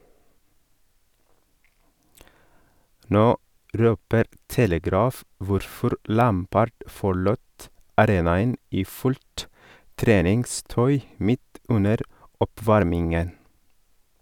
Nå røper Telegraph hvorfor Lampard forlot arenaen i fullt treningstøy midt under oppvarmingen.